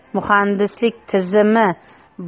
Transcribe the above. muhandislik tuzilmasi